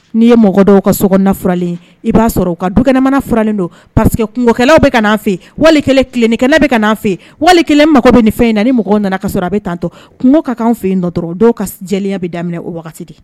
N'i ye mɔgɔ dɔw ka sokɔnɔna furannen ye i b'a sɔrɔ u ka dukɛnɛmana furannen don parce que kungokɛlaw bɛ ka an fɛ yen, wali kelen tilennikɛla bɛ ka na an fɛ yen, wali kelen n mago bɛ nin fɛn in na ni mɔgɔw nana kasɔrɔ a bɛ tan tɔ kungo ka k'anw fɛ yen nɔ dɔrɔn dɔw ka jɛlenya bɛ daminɛ o wagati de